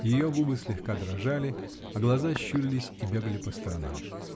Ее губы слегка дрожали, а глаза щурились и бегали по сторонам.